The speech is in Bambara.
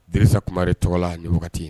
Desa kumari tɔgɔ la ni wagati